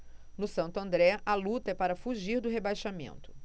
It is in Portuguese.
no santo andré a luta é para fugir do rebaixamento